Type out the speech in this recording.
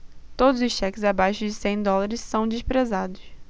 todos os cheques abaixo de cem dólares são desprezados